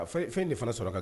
Fɛn de fana sɔrɔ kan